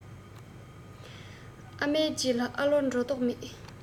ཨ མའི རྗེས ལ ཨོ ལོ འགྲོ མདོག མེད